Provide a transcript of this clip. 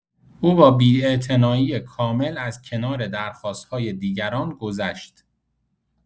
او با بی‌اعتنایی کامل از کنار درخواست‌های دیگران گذشت.